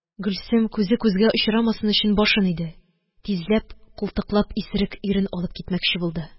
Гөлсем күзе күзгә очрамасын өчен башын иде, тизләп култыклап исерек ирен алып китмәкче булды.